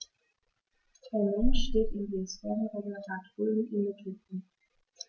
Der Mensch steht im Biosphärenreservat Rhön im Mittelpunkt.